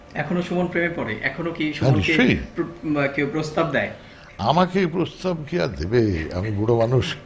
এখনো সুমন প্রেমে পড়ে এখনো কি অবশ্যই কেউ কি প্রস্তাব দেয় আমাকে প্রস্তাব কি আর দেবে আমি বুড়ো মানুষ